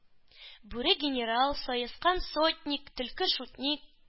Бүре генерал, саескан сотник, төлке шутник,